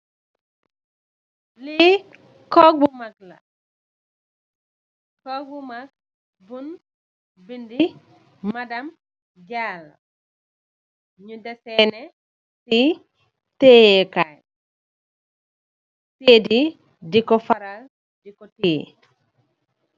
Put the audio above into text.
Li kogg bu mak la. Kogg bu mak bun bindi Mme diallo nyu defene li. Keyee, kaye la, sayti diko farar, di tey.